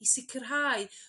i sicrhau